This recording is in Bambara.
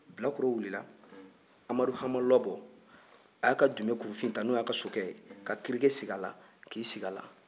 bilakoro wulila amadu hama lɔbɔ a y'a jube kurufin ta n'o y'a sokɛ ka kirike sigi a la k'i sigi a la